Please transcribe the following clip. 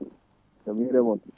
jaam hiire moon